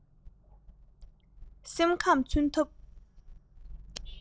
སེམས ཁམས མཚོན ཐབས